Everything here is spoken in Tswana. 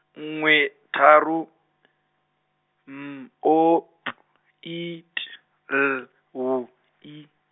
nngwe, tharo, M O P I T L W I.